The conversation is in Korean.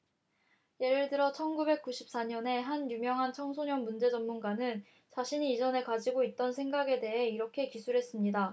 예를 들어 천 구백 구십 사 년에 한 유명한 청소년 문제 전문가는 자신이 이전에 가지고 있던 생각에 대해 이렇게 기술했습니다